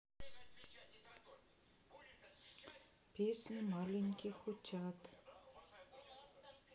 песня маленьких утят